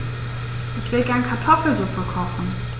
Ich will gerne Kartoffelsuppe kochen.